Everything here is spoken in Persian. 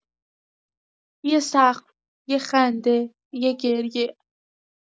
یه سقف، یه خنده، یه گریه.